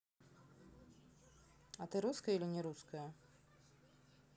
а ты русская или нерусская